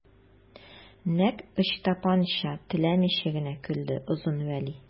Нәкъ Ычтапанча теләмичә генә көлде Озын Вәли.